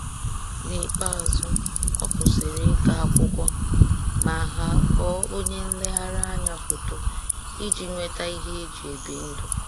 N'ikpeazụ, ọ kwụsịrị ịga akwụkwọ ma ghọọ onye nlereanya foto iji nweta ihe e ji ebi ndụ.